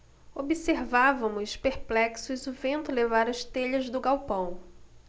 observávamos perplexos o vento levar as telhas do galpão